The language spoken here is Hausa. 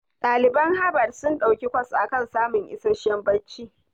Ɗaliban Harvard sun ɗauki kwas a kan samun isasshen barci